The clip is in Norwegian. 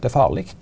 det er farleg.